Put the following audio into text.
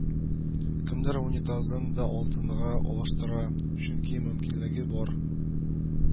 Кемдер унитазын да алтынга алыштыра, чөнки мөмкинлеге бар